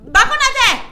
Ba tɛ